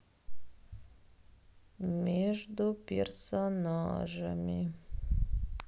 между персонажами